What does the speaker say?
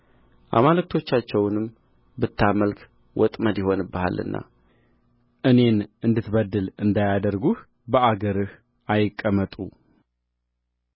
አማልክቶቻቸውንም ብታመልክ ወጥመድ ይሆኑብሃልና እኔን እንድትበድል እንዳያደርጉህ በአገርህ አይቀመጡ